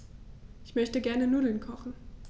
Ich möchte gerne Nudeln kochen.